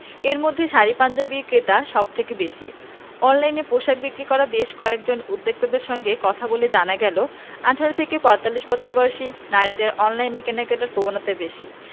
এর মধ্যে শাড়ি পাঞ্জাবির ক্রেতা সব থেকে বেশি অনলাইনে পোশাক বিক্রি করা বেশ কয়েকজন উদ্যোক্তার সঙ্গে কথা বলে জানা গেল ১৮ থেকে ৪৫ বছর বয়সী নারীদের অনলাইনে কেনাকাটার প্রবণতা বেশি